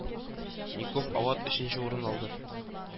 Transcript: Ников ават өченче урын алды